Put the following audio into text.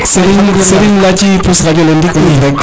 serigne yaci puus o radio ndiki o ndik rek